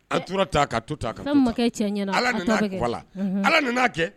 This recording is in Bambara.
A tora ta' taa nana'a kɛ